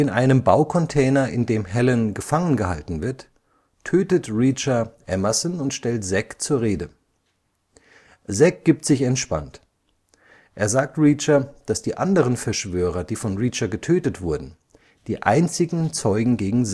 einem Baucontainer, in dem Helen gefangen gehalten wird, tötet Reacher Emerson und stellt Zec zur Rede. Zec gibt sich entspannt. Er sagt Reacher, dass die anderen Verschwörer, die von Reacher getötet wurden, die einzigen Zeugen gegen